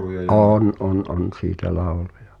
on on on siitä lauluja